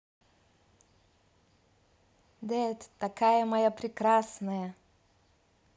dead такая моя прекрасная